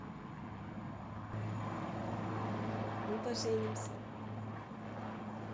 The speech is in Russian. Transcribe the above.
мы поженимся